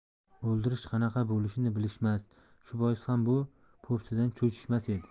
o'ldirish qanaqa bo'lishini bilishmas shu bois ham bu po'pisadan cho'chishmas edi